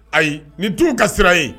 Ayi nin tun ka sira yen